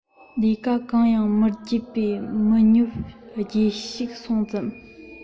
ལས ཀ གང ཡང མི སྒྱིད པའི མི ཉོབ སྒྱེ ཞིག སོང ཙང